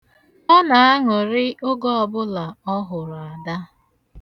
Ọ na-aṅụrị oge ọbụla ọ hụrụ Ada.